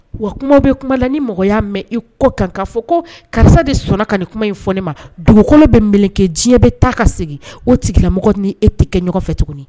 Wa kuma bɛ kuma la ni mɔgɔ y'a mɛn i kɔ kan k'a fɔ ko karisa de sɔnna ka ni kuma in fɔ ma dugukolo bɛ mi kɛ diɲɛ bɛ taa ka segin o tigilamɔgɔ ni e tɛ kɛ ɲɔgɔn fɛ tugun